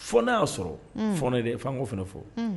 Fo n'a y'a sɔrɔ f i' n ko f fɔ